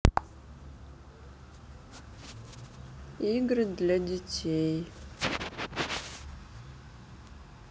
игры для детей